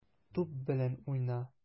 Туп белән уйна.